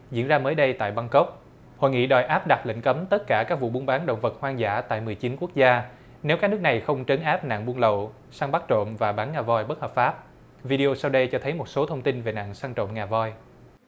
diễn ra mới đây tại băng cốc hội nghị đòi áp đặt lệnh cấm tất cả các vụ buôn bán động vật hoang dã tại mười chín quốc gia nếu các nước này không trấn áp nạn buôn lậu săn bắt trộm và bán ngà voi bất hợp pháp vi đi ô sau đây cho thấy một số thông tin về nạn săn trộm ngà voi